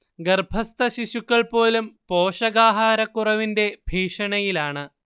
ഗർഭസ്ഥ ശിശുക്കൾ പോലും പോഷകാഹാരക്കുറവിന്റെ ഭീഷണിയിലാണ്